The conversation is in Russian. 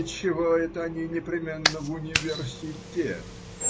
И чего это они непременно в университет?